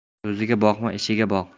so'ziga boqma ishiga boq